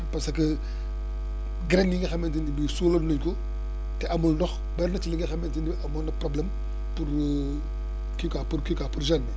parce que graines yi nga xamante ni bii suuloon nañ ko te amul ndox bëri na ci li nga xamante ni amoon na problème pour kii quoi pour kii quoi pour germer